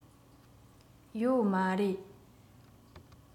ཡོད མ རེད